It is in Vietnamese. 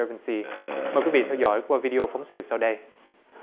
sần xi mời quý vị theo dõi qua vi đi ô phóng sự sau đây